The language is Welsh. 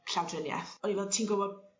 llawdrinieth o'n i fel ti'n gwbod